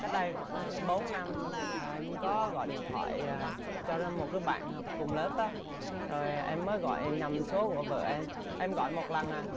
cách đây khoảng cỡ bốn năm à em có gọi điện thoại à cho một đứa bạn học cùng lớp á rồi em mới gọi nhầm số của vợ em em gọi một lần à